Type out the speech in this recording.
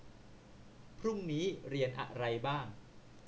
พรุ่งนี้เรียนอะไรบ้าง